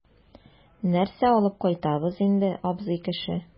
Нәрсә алып кайтабыз инде, абзый кеше?